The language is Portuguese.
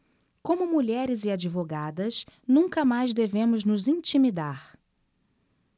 como mulheres e advogadas nunca mais devemos nos intimidar